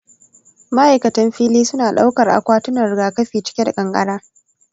ma’aikatan fili suna ɗaukar akwatunan rigakafi cike da kankara.